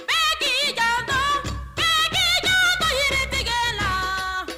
Bɛ ki janto, bɛ ki janto yiri tigɛ laaa.